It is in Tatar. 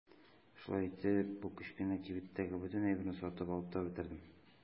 Шулай итеп бу кечкенә кибеттәге бөтен әйберне сатып алып та бетердем.